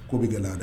Ko bɛ gɛlɛya dɔn